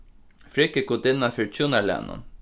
frigg er gudinna fyri hjúnalagnum